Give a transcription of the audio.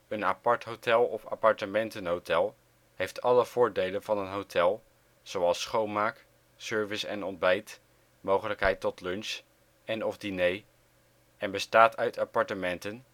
Een aparthotel of appartementenhotel heeft alle voordelen van een hotel (schoonmaak, service en ontbijt, mogelijkheid tot lunch en/of diner) en bestaat uit appartementen